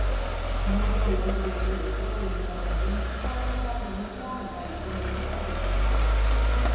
비문계 의원들에게 욕설의 의미가 담긴 십 팔 원 후원금이 후원 계좌에 입금되는 사례도 있었다